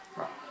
waaw